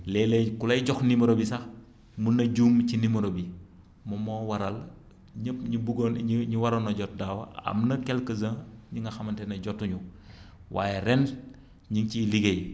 léeg-léeg ku lay jox numéro bi sax mën na juum ci numéro bi moom moo waral ñépp ñi bëggoon ñi ñi waroon a jot daaw am na quelques uns ñi nga xamante ni jotuñu waaye ren ñi ngi ciy liggéey